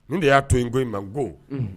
N de y'a to yen ko in ma go